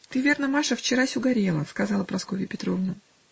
"Ты, верно, Маша, вчерась угорела", -- сказала Прасковья Петровна.